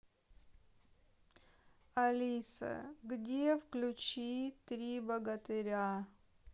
алиса где включи три богатыря